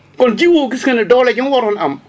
kon jiw woowu gis nga ne doole ji mu waroon am